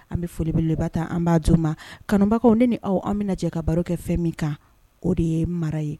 An bɛ folibeleba an b'a joo ma kanubagaw ne ni aw an bɛ jɛ ka baro kɛ fɛn min kan o de ye mara ye